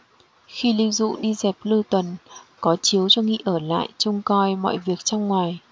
khi lưu dụ đi dẹp lư tuần có chiếu cho nghị ở lại trông coi mọi việc trong ngoài